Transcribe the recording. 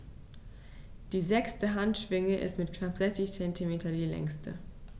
Die sechste Handschwinge ist mit knapp 60 cm die längste.